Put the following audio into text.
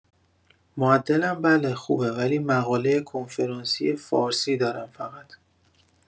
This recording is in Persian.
معدلم بله خوبه ولی مقاله کنفرانسی فارسی دارم فقط